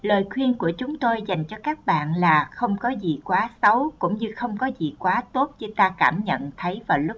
lời khuyên của vũ trụ yêu thương dành cho các bạn là không có gì quá xấu cũng như không có gì quá tốt như ta cảm nhận thấy vào lúc này